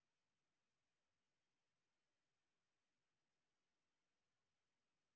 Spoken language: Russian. ирония судьбы продолжение